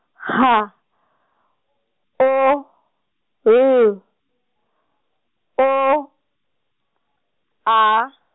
H , O, L, O, A.